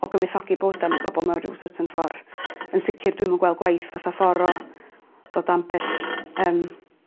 o gyfoethogi bywyda yym pobol mewn ryw certain ffor. Yn sicir dwi'm yn gweld gwaith fatha ffor o fod ambell yym